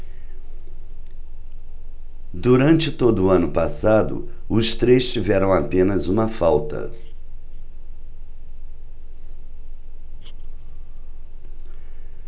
durante todo o ano passado os três tiveram apenas uma falta